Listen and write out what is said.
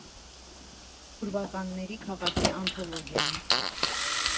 «Ուրվականների քաղաքի անթոլոգիան»